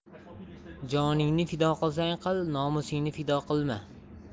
joningni fido qilsang qil nomusingni fido qilma